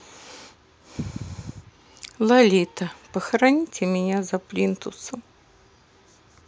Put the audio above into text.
лолита похороните меня за плинтусом